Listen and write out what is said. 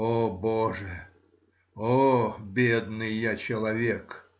О боже, о бедный я человек!